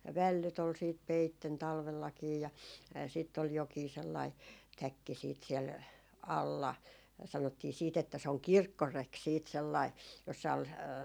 ja vällyt oli sitten peitteenä talvellakin ja sitten oli jokin sellainen täkki sitten siellä alla sanottiin sitten että se on kirkkoreki sitten sellainen jossa oli